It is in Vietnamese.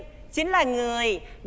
chính là người